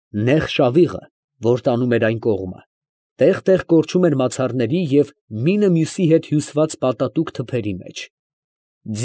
Նեղ շավիղը, որ տանում էր այն կողմը, տեղ֊տեղ կորչում էր մացառների և մինը մյուսի հետ հյուսված պատատուկ թփերի մեջ։